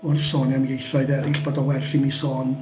Wrth sôn am ieithoedd eraill bod o'n werth i mi sôn...